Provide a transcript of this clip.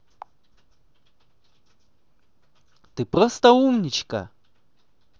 ты просто умничка